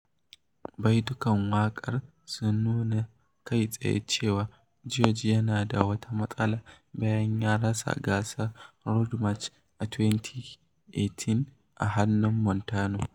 Baitukan waƙar sun nuna kai tsaye cewa George yana da wata matsala bayan ya rasa gasar Road March a 2018 a hannun Montano.